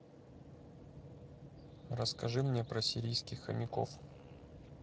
расскажи мне про сирийских хомяков